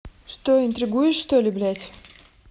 что интригуешь что ли блядь